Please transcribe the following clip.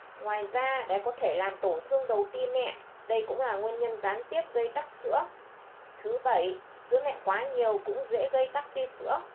ngoài ra bé có thể làm tổn thương đầu ti mẹ đây cũng là nguyên nhân gián tiếp gây tắc sữa sữa mẹ quá nhiều cũng dễ gây tắc tia sữa